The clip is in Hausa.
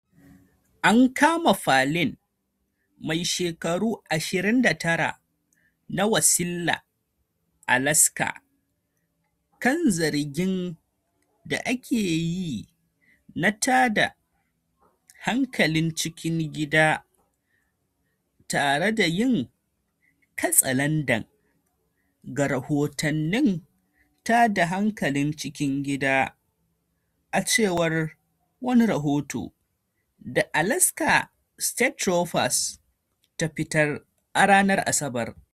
An kama Palin, mai shekaru 29, na Wasilla, Alaska, kan zargin da ake yi na tada hankalin cikin gida, tare da yin katsalandan ga rahotannin tada hankalin cikin gida, a cewar wani rahoton da Alaska State Troopers ta fitar, a ranar Asabar.